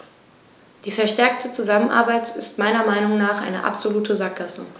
Die verstärkte Zusammenarbeit ist meiner Meinung nach eine absolute Sackgasse.